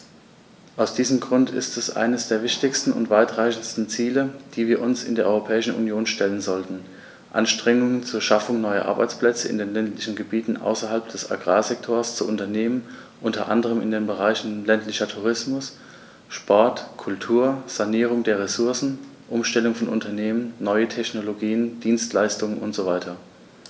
Aus diesem Grund ist es eines der wichtigsten und weitreichendsten Ziele, die wir uns in der Europäischen Union stellen sollten, Anstrengungen zur Schaffung neuer Arbeitsplätze in den ländlichen Gebieten außerhalb des Agrarsektors zu unternehmen, unter anderem in den Bereichen ländlicher Tourismus, Sport, Kultur, Sanierung der Ressourcen, Umstellung von Unternehmen, neue Technologien, Dienstleistungen usw.